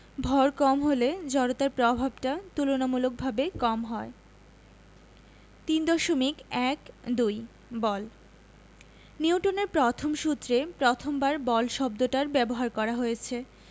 ভর কম হলে জড়তার প্রভাবটা তুলনামূলকভাবে কম হয় 3.1 2 বল নিউটনের প্রথম সূত্রে প্রথমবার বল শব্দটা ব্যবহার করা হয়েছে